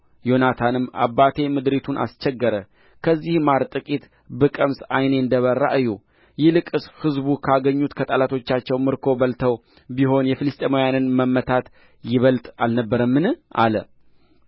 ዮናታንም አባቴ ምድሪቱን አስቸገረ ከዚህ ማር ጥቂት ብቀምስ ዓይኔ እንደ በራ እዩ ይልቅስ ሕዝቡ ካገኙት ከጠላቶቻቸው ምርኮ በልተው ቢሆኑ የፍልስጥኤማውያን መመታት ይበልጥ አልነበረምን አለ